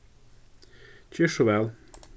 ger so væl